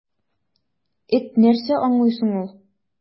Эт нәрсә аңлый соң ул!